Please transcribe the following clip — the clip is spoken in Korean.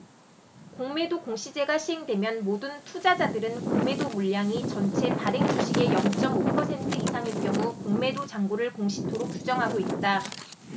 공매도 공시제가 시행되면 모든 투자자들은 공매도 물량이 전체 발행주식의 영 쩜 오 퍼센트 이상일 경우 공매도 잔고를 공시토록 규정하고 있다